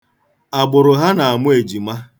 Agbụrụ ha na-amụ ejima.